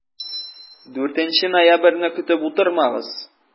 4 ноябрьне көтеп утырмагыз!